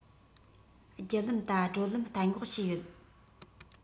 རྒྱུ ལམ ད བགྲོད ལམ གཏན འགོག བྱས ཡོད